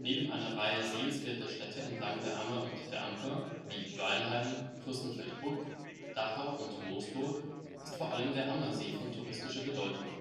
Neben einer Reihe sehenswerter Städte entlang der Ammer und der Amper wie Weilheim, Fürstenfeldbruck, Dachau und Moosburg ist vor allem der Ammersee von touristischer Bedeutung.